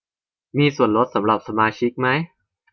มีส่วนลดสำหรับสมาชิกมั้ย